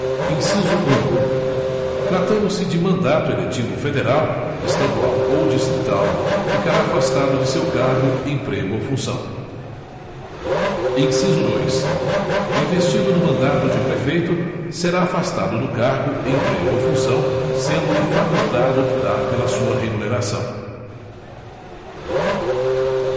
inciso um tratando se de mandato eletivo federal estadual ou distrital ficará afastado de seu cargo emprego ou função inciso dois investido no mandato de prefeito será afastado do cargo emprego ou função sendo lhe facultado optar pela sua remuneração